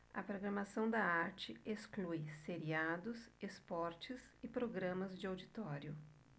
a programação da arte exclui seriados esportes e programas de auditório